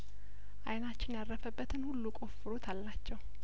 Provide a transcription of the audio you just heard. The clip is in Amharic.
አይናችን ያረፈበትን ሁሉ ቆፍሩት አልናቸው